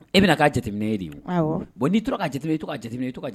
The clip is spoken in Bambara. E bɛna k'a jateminɛ ye de o. Awɔ. Bon n'i tora k'a jateminɛ, i bɛ to k'a jateminɛ, i bɛ to k'a